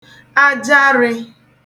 ajarị̄